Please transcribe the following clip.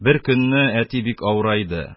Беркөнне әти бик авырайды.